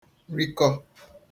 rikọ